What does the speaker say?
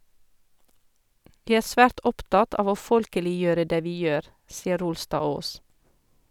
Vi er svært opptatt av å folkeliggjøre det vi gjør, sier Rolstadås.